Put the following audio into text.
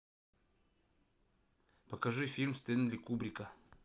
покажи фильм стэнли кубрика